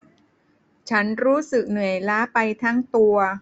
ฉันรู้สึกเหนื่อยล้าไปทั้งตัว